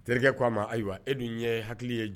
Terikɛ ko a ma ayiwa e dun ye hakili ye